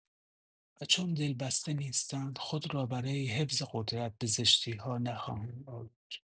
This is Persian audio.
و چون دل‌بسته نیستند، خود را برای حفظ قدرت، به زشتی‌ها نخواهند آلود.